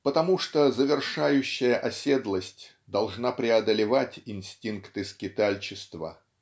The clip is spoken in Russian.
потому что завершающая оседлость должна преодолевать инстинкты скитальчества.